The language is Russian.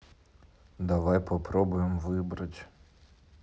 давай попробуем выбрать